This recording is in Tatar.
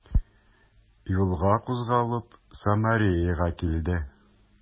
Юлга кузгалып, Самареяга килде.